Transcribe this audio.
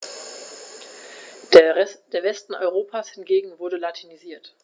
Der Westen Europas hingegen wurde latinisiert.